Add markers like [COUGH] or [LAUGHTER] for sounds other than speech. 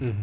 [HESITATION] [HESITATION]